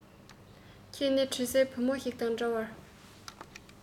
ཁྱེད ནི དྲི ཟ ཡི བུ མོ ཞིག དང འདྲ བར